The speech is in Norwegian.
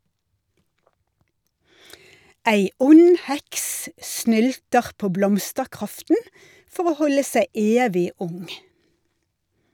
Ei ond heks snylter på blomsterkraften for å holde seg evig ung.